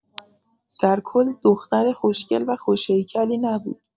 در کل دختر خوشگل و خوش هیکلی نبود.